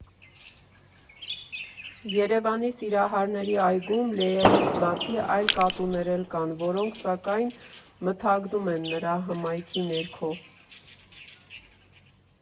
Երևանի սիրահարների այգում, Լեայից բացի, այլ կատուներ էլ կան, որոնք, սակայն, մթագնում են նրա հմայքի ներքո։